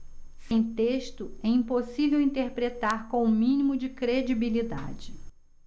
sem texto é impossível interpretar com o mínimo de credibilidade